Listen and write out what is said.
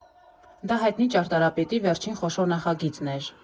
Դա հայտնի ճարտարապետի վերջին խոշոր նախագիծն էր.